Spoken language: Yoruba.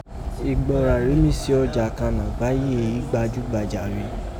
Igboọra rèé mí se ọjà kàn nagbaaye eyi gbajugbaja rin.